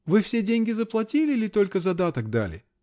-- Вы все деньги заплатили или только задаток дали?